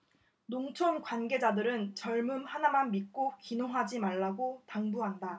농촌 관계자들은 젊음 하나만 믿고 귀농하지 말라고 당부한다